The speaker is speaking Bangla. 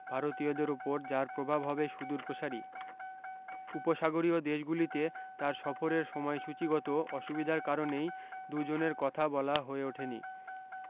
ভারতীয়দের উপর যার প্রভাব হবে সুদূর প্রসারী উপসাগরীয় দেশগুলিতে তার সফরের সময়সূচীগত অসুবিধার কারণেই দু জনের কথা বলা হয়ে ওঠেনি